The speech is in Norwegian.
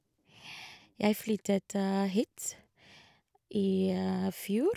Jeg flyttet hit i fjor.